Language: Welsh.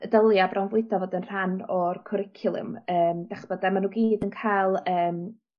y dylia bron bwydo bod yn rhan o'r cwricwlwm yym 'dach ch'bod a ma' n'w gyd yn ca'l yym